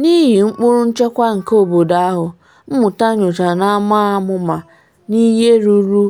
N’ihi ụkpụrụ nchekwa nke obodo ahụ, mmụta nyocha na-ama amụma n’ihe ruru